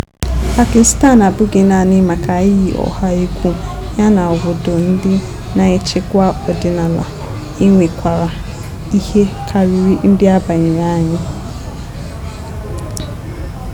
Pakistan abụghị naanị maka iyi ọha egwu yana obodo ndị na-echekwa ọdịnala, e nwekwara ihe karịrị ndị a banyere anyị.